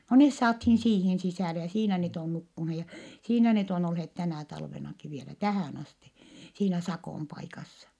no ne saatiin siihen sisälle ja siinä ne on nukkuneet ja siinä ne on olleet tänä talvenakin vielä tähän asti siinä Sakon paikassa